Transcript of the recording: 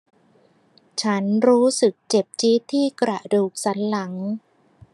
ฉันรู้สึกเจ็บจี๊ดที่กระดูกสันหลัง